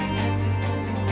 hai